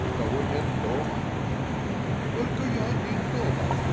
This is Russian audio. никого нет дома ("Только я один дома",